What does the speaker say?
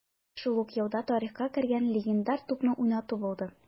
Шул ук елда тарихка кергән легендар тупны уйнату булды: